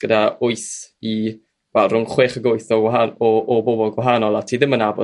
gyda wyth i wel rhwng chwech ag wyth o waha- o bobol gwahanol at i ddim yn nabod